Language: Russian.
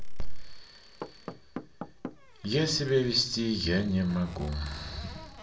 я себя вести я не могу